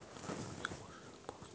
алина включи песни